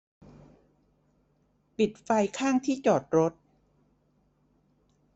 ปิดไฟข้างที่จอดรถ